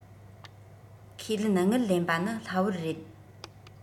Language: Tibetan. ཁས ལེན དངུལ ལེན པ ནི སླ བོར རེད